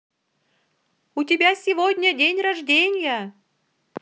у тебя сегодня день рождения